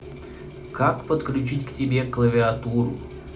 как подключить к тебе клавиатуру